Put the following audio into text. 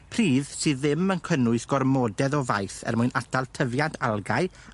pridd sydd ddim yn cynnwys gormodedd o faith er mwyn atal tyfiant algâu